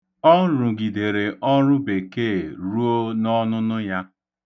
Ọ rụgidere ọrụbekee ruo n'ọnụnụ ya.